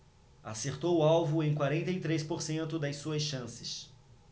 acertou o alvo em quarenta e três por cento das suas chances